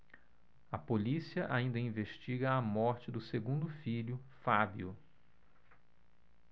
a polícia ainda investiga a morte do segundo filho fábio